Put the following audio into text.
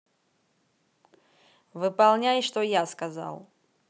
выполняй что я сказал